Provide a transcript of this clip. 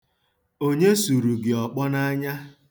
Onye suru gị ọkpọ n'anya?